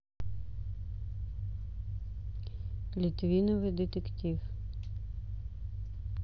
литвиновы детектив